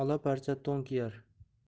ola parcha to'n kiyar